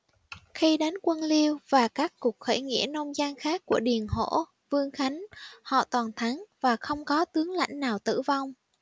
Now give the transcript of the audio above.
khi đánh quân liêu và các cuộc khởi nghĩa nông dân khác của điền hổ vương khánh họ toàn thắng và không có tướng lãnh nào tử vong